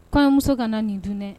Komuso kana na nin dun dɛ